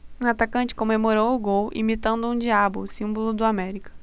o atacante comemorou o gol imitando um diabo símbolo do américa